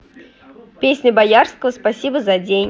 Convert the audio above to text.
песня боярского спасибо за день